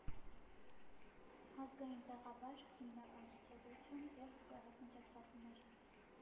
Ազգային տաղավար, հիմնական ցուցադրություն և զուգահեռ միջոցառումներ։